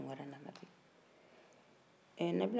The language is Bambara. ɛɛ nabila burahima denkɛ cɛ wolonfila in